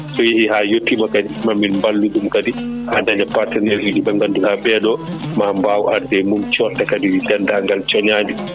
so yeehi haa yettima kadi mamin balluɗum kadi haa daña partenaire uji ɓe ngannduɗaa ɓeɗo ma mbaw arde mum cotta kadi cooñadi